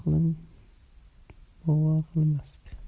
hech aqlim bovar qilmasdi